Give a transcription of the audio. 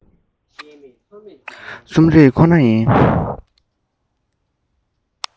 རྩོམ རིག ཁོ ན ཡིན